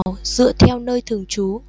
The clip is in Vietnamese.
dựa theo nơi thường trú